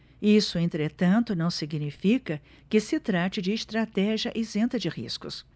isso entretanto não significa que se trate de estratégia isenta de riscos